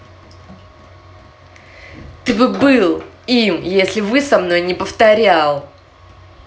ты бы был им если вы со мной не повторял